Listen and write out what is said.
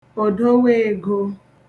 òdowaegō